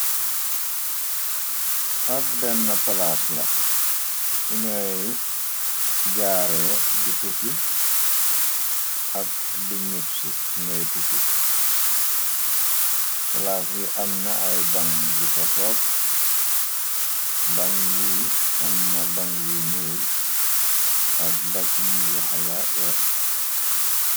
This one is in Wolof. Ak benn palaas la fu ñooy jaare gi tukki ak di ñifsi suñooy tukki palaas wi amna ay ban bu pa toog ban yi amna ban yu ñu ak bag ni yu xala werta.